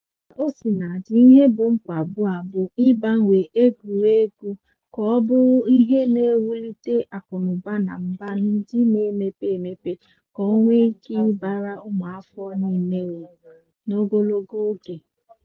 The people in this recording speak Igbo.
Kaosinadị, ihe bụ mkpa ugbua bụ ịgbanwe egwuregwu ka ọ bụrụ ihe na-ewulite akụnaụba na mba ndị na-emepe emepe ka o nwee ike baara ụmụafọ niile uru n'ogologo oge.